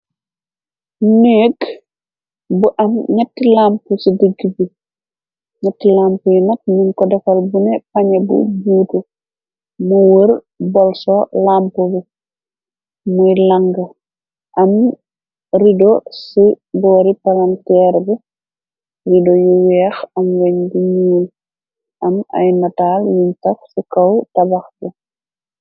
Neek bu am ei lamp ci digg bi ñetti lamp yu net min ko defal bune pañe bu juutu mu wër bolso làmp bi muy làng am rido ci boori palamteer bi rido yu weex am weñ gi ñuul am ay nataal yuñ taf ci kaw tabax bi.